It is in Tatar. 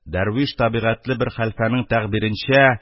Дәрвиш табигатьле бер хәлфәнең тәгъбиренчә